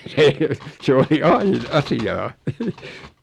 se se oli aina asiaa